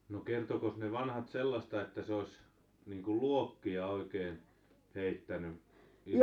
no kertoikos ne vanhat sellaista että se olisi niin kuin luokkia oikein heittänyt -